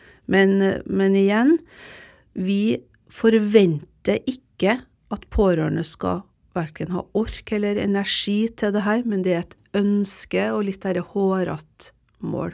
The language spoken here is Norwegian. men men igjen vi forventer ikke at pårørende skal verken ha ork eller energi til det her men det er et ønske og litt det herre hårete mål.